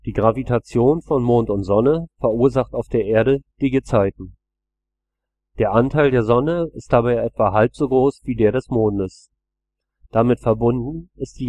Gravitation von Mond und Sonne verursacht auf der Erde die Gezeiten. Der Anteil der Sonne ist dabei etwa halb so groß wie der des Mondes. Damit verbunden ist